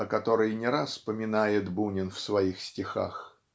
о которой не раз поминает Бунин в своих стихах.